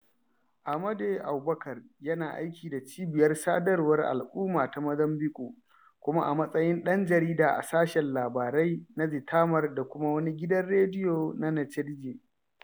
Amade Aoubacar yana aiki da Cibiyar Sadarwar Al'umma ta Mozambiƙue kuma a matsayin ɗan jarida a sashen labarai na Zitamar da kuma wani gidan rediyo na Nacedje.